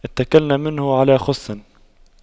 اتَّكَلْنا منه على خُصٍّ